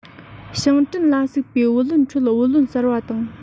ཞིང བྲན ལ ཟུག པའི བུ ལོན ཁྲོད བུ ལོན གསར པ དང